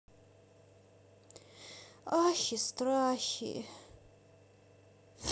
ахи страхи